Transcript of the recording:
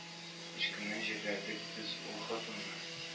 Өч көннән җирләдек без ул хатынны